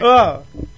waaw